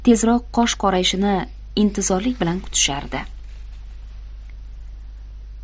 tezroq qosh qorayishini intizorlik bilan kutishardi